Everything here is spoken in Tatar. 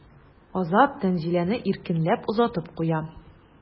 Азат Тәнзиләне иркенләп озатып куя.